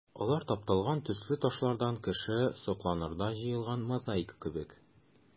Алар тапталган төсле ташлардан кеше сокланырдай җыелган мозаика кебек.